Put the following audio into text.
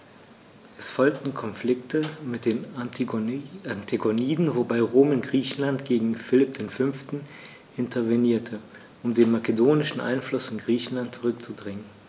Es folgten Konflikte mit den Antigoniden, wobei Rom in Griechenland gegen Philipp V. intervenierte, um den makedonischen Einfluss in Griechenland zurückzudrängen.